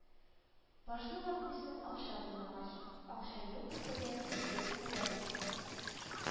- башны ватмыйсың акча булмагач, акча юк кесәдә, ике кесә дә буш